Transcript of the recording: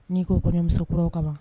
N'i ko ko kɔɲɔnmusokuraw kaban